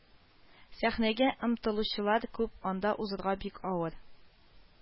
Сәхнәгә омтылучылар күп, анда узырга бик авыр